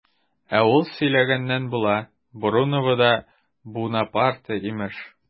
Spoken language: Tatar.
Ә ул сөйләнгән була, Бруновода Бунапарте имеш!